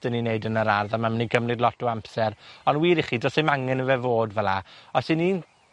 'da ni neud yn yr ardd, a ma'n myn' i gymryd lot o amser. Ond wir i chi do's 'im angen i fe fod fela. Os 'yn ni'n